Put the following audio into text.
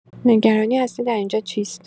نگرانی اصلی در اینجا چیست؟